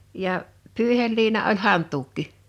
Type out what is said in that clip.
ja pyyheliina oli hantuukki